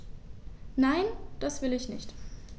Nein, das will ich nicht.